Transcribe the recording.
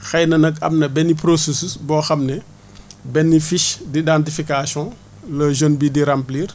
xëy na nag am na benn processus boo xam ne benn fiche d' identification la jeune bi di remplir